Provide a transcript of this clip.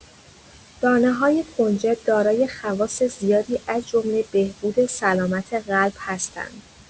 دانه‌های کنجد دارای خواص زیادی از جمله بهبود سلامت قلب هستند.